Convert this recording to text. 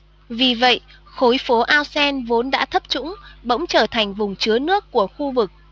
vì vậy khối phố ao sen vốn đã thấp trũng bỗng trở thành vùng chứa nước của khu vực